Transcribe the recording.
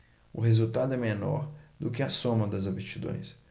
o resultado é menor do que a soma das aptidões